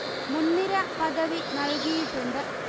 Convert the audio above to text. മുന്നിര പദവി നല്കിയിട്ടുണ്ട്